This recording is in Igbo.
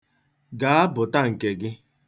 Gaa, bụta nke gị.